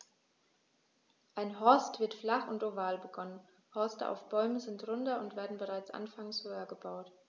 Ein Horst wird flach und oval begonnen, Horste auf Bäumen sind runder und werden bereits anfangs höher gebaut.